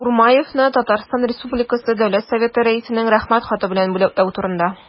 И.Х. Курмаевны Татарстан республикасы дәүләт советы рәисенең рәхмәт хаты белән бүләкләү турында